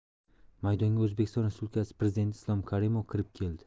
maydonga o'zbekiston respublikasi prezidenti islom karimov kirib keldi